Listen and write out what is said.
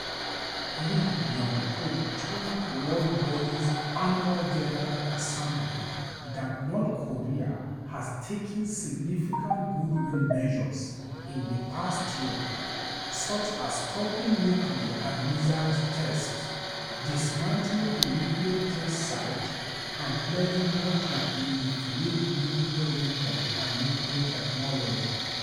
Ri Yong Ho told the world body's annual General Assembly that North Korea had taken "significant goodwill measures" in the past year, such as stopping nuclear and missiles tests, dismantling the nuclear test site, and pledging not to proliferate nuclear weapons and nuclear technology.